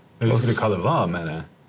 husker du hva det var med det?